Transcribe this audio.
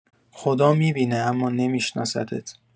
خدا می‌بینه اما نمیشناستت